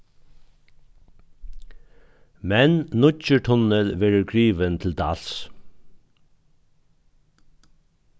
men nýggjur tunnil verður grivin til dals